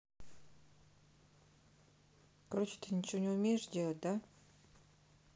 короче ты ничего не умеешь делать да